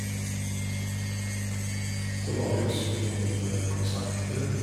Så var vi også til noen konserter.